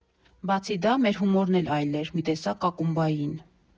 Բացի դա՝ մեր հումորն էլ այլ էր, մի տեսակ՝ ակումբային։